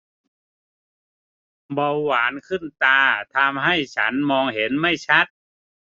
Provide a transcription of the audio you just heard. เบาหวานขึ้นตาทำให้ฉันมองเห็นไม่ชัด